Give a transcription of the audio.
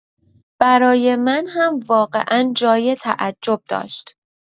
برای من هم واقعا جای تعجب داشت.